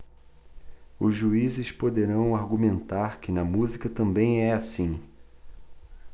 os juízes poderão argumentar que na música também é assim